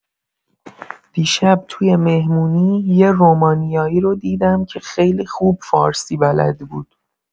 دیشب توی مهمونی یه رومانیایی رو دیدم که خیلی خوب فارسی بلد بود!